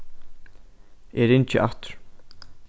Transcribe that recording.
eg ringi aftur